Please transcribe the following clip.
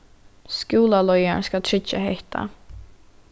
skúlaleiðarin skal tryggja hetta